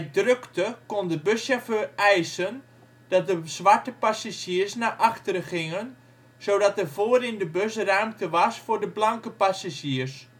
drukte kon de buschauffeur eisen dat de zwarte passagiers naar achteren gingen, zodat er voorin de bus ruimte was voor de blanke passagiers